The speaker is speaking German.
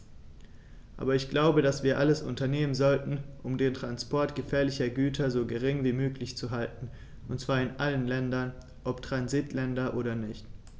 Aber ich glaube, dass wir alles unternehmen sollten, um den Transport gefährlicher Güter so gering wie möglich zu halten, und zwar in allen Ländern, ob Transitländer oder nicht.